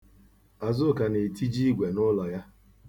Azụka na-etiji igwe n'ụlọ ya.